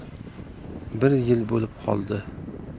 bir yil bo'lib qoldi